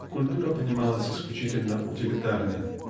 культура понималась исключительно утилитарно